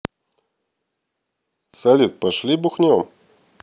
салют пошли бухнем